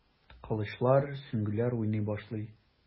Кылычлар, сөңгеләр уйный башлый.